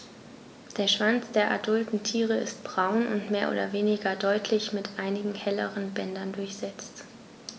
Der Schwanz der adulten Tiere ist braun und mehr oder weniger deutlich mit einigen helleren Bändern durchsetzt.